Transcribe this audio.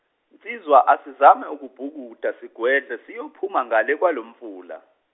nsizwa asizame ukubhukuda sigwedle siyophuma ngale kwalo mfula.